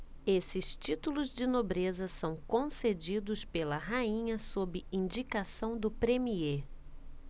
esses títulos de nobreza são concedidos pela rainha sob indicação do premiê